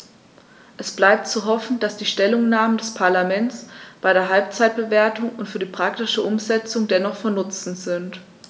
Es bleibt zu hoffen, dass die Stellungnahmen des Parlaments bei der Halbzeitbewertung und für die praktische Umsetzung dennoch von Nutzen sind.